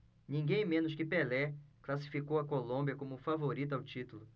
ninguém menos que pelé classificou a colômbia como favorita ao título